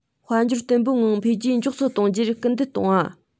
དཔལ འབྱོར བརྟན པོའི ངང འཕེལ རྒྱས མགྱོགས སུ གཏོང རྒྱུར སྐུལ འདེད གཏོང བ